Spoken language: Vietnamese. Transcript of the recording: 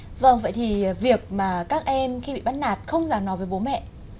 vâng vậy thì việc mà các em khi bị bắt nạt không dám nói với bố mẹ